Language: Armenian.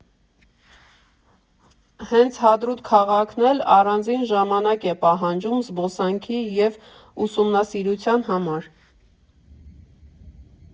Հենց Հադրութ քաղաքն էլ առաձին ժամանակ է պահանջում զբոսանքի և ուսումնասիրության համար։